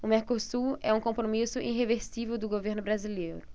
o mercosul é um compromisso irreversível do governo brasileiro